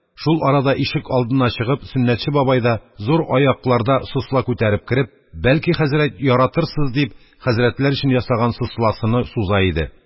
Шул арада, ишегалдына чыгып, Сөннәтче бабай да зур айакларда сосла күтәреп кереп: «Бәлки, хәзрәт, яратырсыз», – дип, хәзрәтләр өчен ясаган сосласыны суза иде.